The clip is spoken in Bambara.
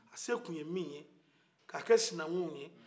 a se tun ye min ye ka kɛ sinakun ye